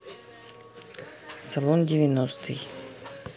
салон девяностый